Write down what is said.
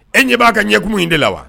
E ɲɛ b'a ka ɲɛkun in de la wa